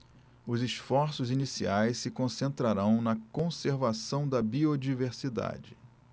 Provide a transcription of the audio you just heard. os esforços iniciais se concentrarão na conservação da biodiversidade